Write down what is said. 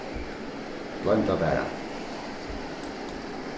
gloym tað bara